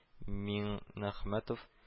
Миңнәхмәтов